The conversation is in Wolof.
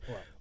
waaw